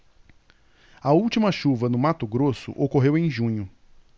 a última chuva no mato grosso ocorreu em junho